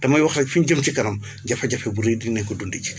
damay wax rek fi ñu jëm ca kanam jafe-jafe bu rëy dinañ ko dundu ji